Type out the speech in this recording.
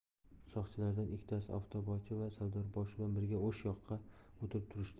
soqchilardan ikkitasi oftobachi va savdarboshi bilan birga o'sha yoqqa o'tib turishdi